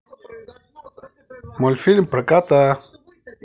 мультфильм про кота